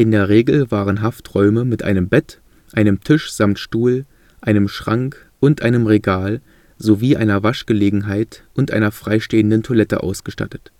der Regel waren Hafträume mit einem Bett, einem Tisch samt Stuhl, einem Schrank und einem Regal sowie einer Waschgelegenheit und einer freistehenden Toilette ausgestattet